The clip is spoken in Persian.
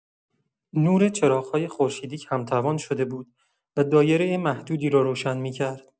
نور چراغ‌های خورشیدی کم‌توان شده بود و دایره محدودی را روشن می‌کرد.